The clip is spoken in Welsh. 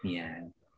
Ie.